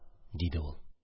– диде ул.